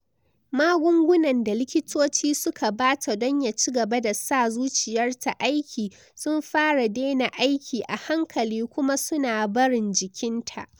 Magungunan da likitoci suka bata don ya cigaba da sa zuciyar ta aiki, sun fara dena aiki a hankali kuma su na barin jikinta.